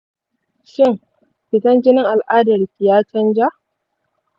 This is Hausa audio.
shin fitan jinin al'adarki ya chanza?